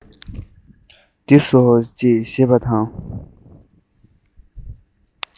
འདི ཟོ ཞེས བཤད པ དང